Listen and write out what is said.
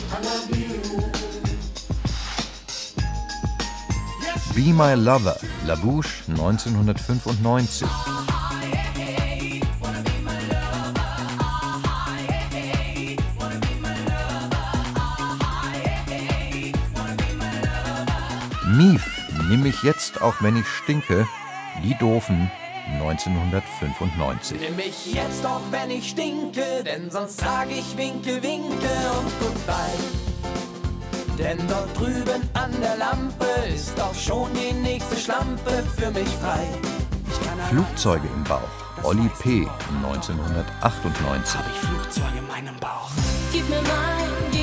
Meisel-Gruppe